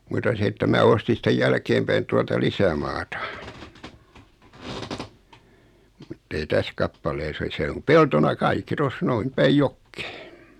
mutta se että minä ostin sitten jälkeen päin tuolta lisämaata mutta ei tässä kappaleessa ole se on peltona kaikki tuossa noin päin jokea